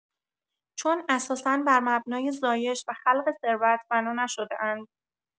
چون اساسا بر مبنای زایش و خلق ثروت بنا نشده‌اند.